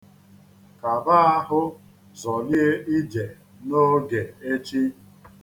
Kaba ahụ zọlie ije n'oge echi.